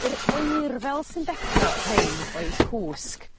yr oerfel sy'n ddeffro rhein o'u cwsg.